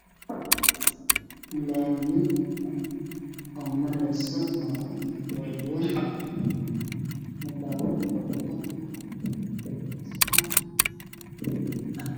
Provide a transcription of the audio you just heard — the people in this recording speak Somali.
Laami oo mareyso baabuur waaweyn baabuur midabkiisa ah haddaan